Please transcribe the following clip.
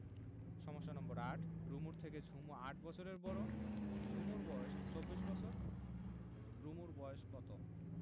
সমস্যা নম্বর৮ রুমুর থেকে ঝুমু ৮ বছরের বড় ঝুমুর বয়স ২৪ বছর রুমুর বয়স কত